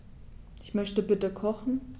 Ich möchte bitte kochen.